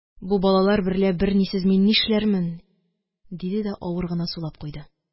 Бу балалар берлә бернисез мин нишләрмен, – диде дә авыр гына сулап куйды